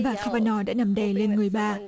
và cơ ve no đã nằm đè lên người bà